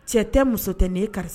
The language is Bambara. Cɛ tɛ. Muso tɛ. Nin ye karisa